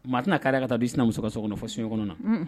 Maa tɛna' kɛra ka taa di sinamuso muso ka so kɔnɔ fɔ so kɔnɔ na